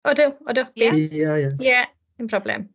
Odw odw. Ie, ie dim broblem.